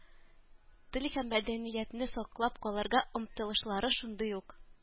Тел һәм мәдәниятне саклап калырга омтылышлары шундый ук.